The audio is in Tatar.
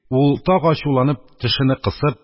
Ул, тагы ачуланып, тешене кысып: